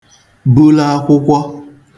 bula akwụkwọ